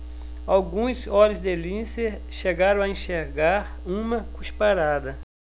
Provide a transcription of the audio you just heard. alguns olhos de lince chegaram a enxergar uma cusparada